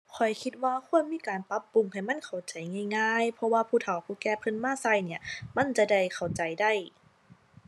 ข้อยคิดว่าควรมีการปรับปรุงให้มันเข้าใจง่ายง่าย เพราะว่าผู้เฒ่าผู้แก่เพิ่นมาใช้เนี่ยมันจะได้เข้าใจได้